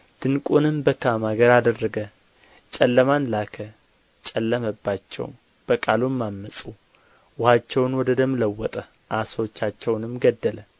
ድንቁንም በካም አገር አደረገ ጨለማን ላከ ጨለመባቸውም በቃሉም ዐመፁ ውኃቸውን ወደ ደም ለወጠ ዓሦቻቸውንም ገደለ